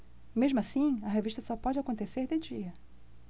mesmo assim a revista só pode acontecer de dia